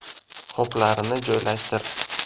qoplarni joylashtir